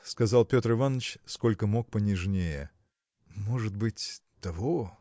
– сказал Петр Иваныч сколько мог понежнее – может быть – того.